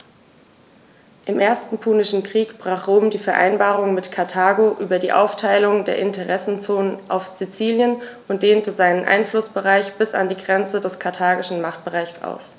Im Ersten Punischen Krieg brach Rom die Vereinbarung mit Karthago über die Aufteilung der Interessenzonen auf Sizilien und dehnte seinen Einflussbereich bis an die Grenze des karthagischen Machtbereichs aus.